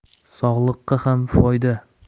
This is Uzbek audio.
sog'liqqa ham foyda